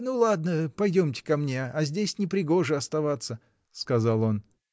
— Ну ладно, пойдемте ко мне, а здесь не пригоже оставаться, — сказал он.